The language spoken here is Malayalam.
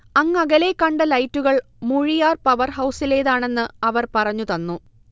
അങ്ങകലെ കണ്ട ലൈറ്റുകൾ മൂഴിയാർ പവർഹൗസിലേതാണെന്ന് അവർ പറഞ്ഞു തന്നു